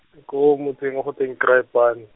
se ko motseng o go teng Kraaipan.